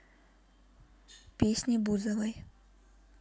песни бузовой